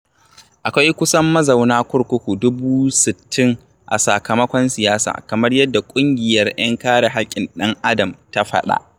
Akwai kusan mazauna kurkuku 60,000 a sakamakon siyasa, kamar yadda ƙungiyar 'yan kare haƙƙin ɗan'adam ta faɗa.